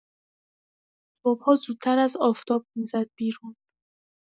صبح‌ها زودتر از آفتاب می‌زد بیرون.